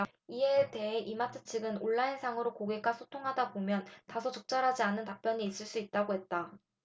이에 대해 이마트 측은 온라인상으로 고객과 소통하다보면 다소 적절하지 않은 답변이 있을 수 있다고 했다